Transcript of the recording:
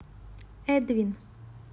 edvin